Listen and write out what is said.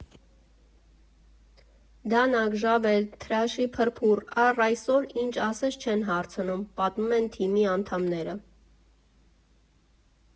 «Դանակ, ժավել, թրաշի պրիբոռ՝ առ այսօր ինչ ասես չեն հարցնում», ֊ պատմում են թիմի անդամները։